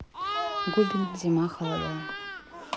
губин зима холода